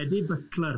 Eddie Butler.